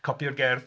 Copïo'r gerdd.